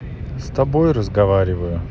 с тобой разговариваю